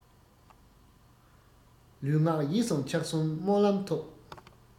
ལུས ངག ཡིད གསུམ ཕྱག འཚལ སྨོན ལམ ཐོབ